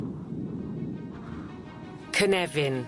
Cynefin.